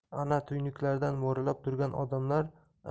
ana tuynuklardan mo'ralab turgan odamlar